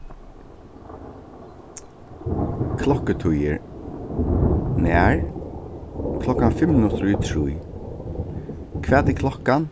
klokkutíðir nær klokkan fimm minuttir í trý hvat er klokkan